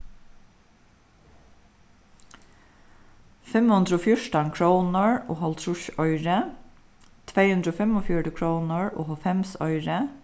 fimm hundrað og fjúrtan krónur og hálvtrýss oyru tvey hundrað og fimmogfjøruti krónur og hálvfems oyru